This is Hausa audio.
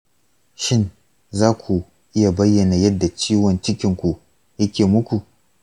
shin za ku iya bayyana yadda ciwon cikinku yake muku?